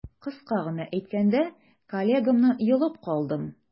Кыска гына әйткәндә, коллегамны йолып калдым.